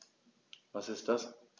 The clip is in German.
Was ist das?